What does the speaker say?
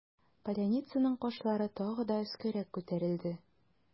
Поляницаның кашлары тагы да өскәрәк күтәрелде.